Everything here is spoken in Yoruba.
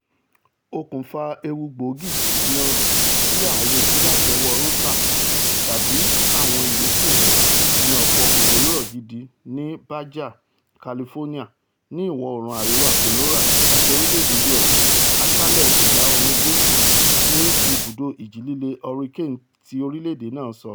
Okùnfà ewu gbòógì náà tí a reti láti ọwọ́ Rosa tàbí àwọn ìyókù rẹ̵̀ ni ọ̀pọ̀ òjò-rírọ̀ gidi ní Baja California, ní ìwọ-oòrùn àríwá Sonora, àti orílẹ̀-èdè U.S. Asálẹ Ìlà-oòrùn Gúúsù,'' ni Ibùdó Ìjì-líle Hurricane ti orílẹ̀-èdè náà sọ.